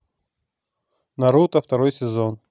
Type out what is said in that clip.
наруто второй сезон